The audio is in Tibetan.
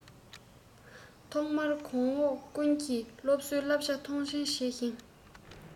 ཐོག མར གོང འོག ཀུན གྱིས སློབ གསོའི བྱ བར མཐོང ཆེན བྱས ཤིང